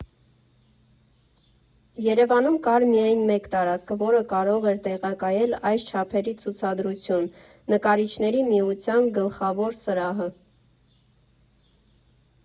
Երևանում կար միայն մեկ տարածք, որը կարող էր տեղակայել այս չափերի ցուցադրություն՝ Նկարիչների միության գլխավոր սրահը։